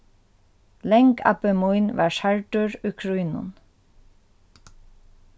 langabbi mín varð særdur í krígnum